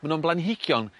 ma' nw'n blanhigion